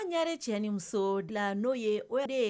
An ɲɛre cɛ ni muso bila n'o ye o de ye